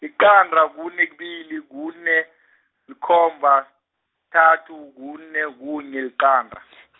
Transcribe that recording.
liqanda, kune kubili, kune, likhomba, -thathu, kune kunye liqanda .